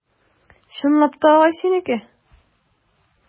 Чынлап та, агай, синеке?